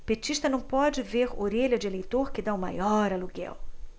petista não pode ver orelha de eleitor que tá o maior aluguel